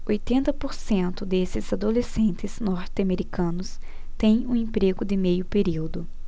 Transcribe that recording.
oitenta por cento desses adolescentes norte-americanos têm um emprego de meio período